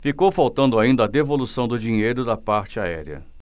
ficou faltando ainda a devolução do dinheiro da parte aérea